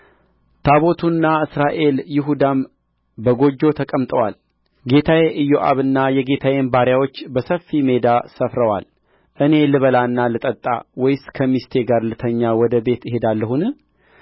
ታቦቱና እስራኤል ይሁዳም በጎጆ ተቀምጠዋል ጌታዬ ኢዮአብና የጌታዬም ባሪያዎች በሰፊ ሜዳ ሰፍረዋል እኔ ልበላና ልጠጣ ወይስ ከሚስቴ ጋር ልተኛ ወደ ቤቴ እሄዳለሁን